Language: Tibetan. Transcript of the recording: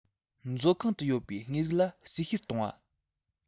མཛོད ཁང དུ ཡོད པའི དངོས རིགས ལ རྩིས བཤེར གཏོང བ